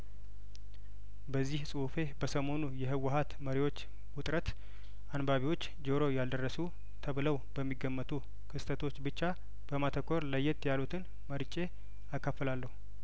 በዚህ ጹሁፌ በሰሞኑ የህወሀት መሪዎች ውጥረት አንባቢዎች ጆሮ ያልደረሱ ተብለው በሚገመቱ ክስተቶች ብቻ በማተኮር ለየት ያሉትን መርጬ አካፍላለሁ